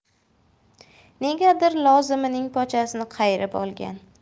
negadir lozimining pochasini qayirib olgan